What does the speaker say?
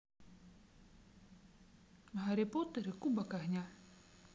гарри поттер и кубок огня